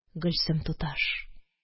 Гөлсем туташ